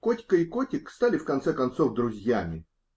Котька и котик стали в конце концов друзьями.